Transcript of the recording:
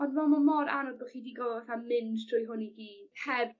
ond fel ma' mor anodd bo' chi 'di gorfo fatha mynd trwy hwn i gyd heb